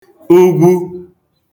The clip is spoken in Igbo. ugwu